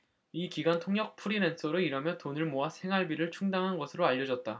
이 기간 통역 프리랜서로 일하며 돈을 모아 생활비를 충당한 것으로 알려졌다